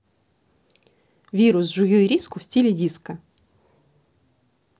вирус жую ириску в стиле диско